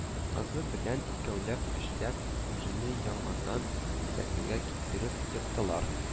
Кызы белән икәүләп, көчләп ирне яңадан сәкегә китереп ектылар